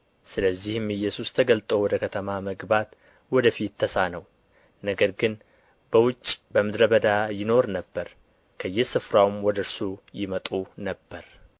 ስለዚህም ኢየሱስ ተገልጦ ወደ ከተማ መግባት ወደ ፊት ተሳነው ነገር ግን በውጭ በምድረ በዳ ይኖር ነበር ከየስፍራውም ወደ እርሱ ይመጡ ነበር